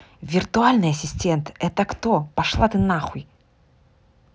виртуальный ассистент это кто пошла ты нахуй